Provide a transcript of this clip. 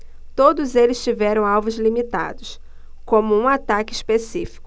todos eles tiveram alvos limitados como um tanque específico